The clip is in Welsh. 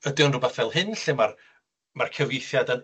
Ydi o'n rwbath fel hyn lle ma'r ma'r cyfieithiad yn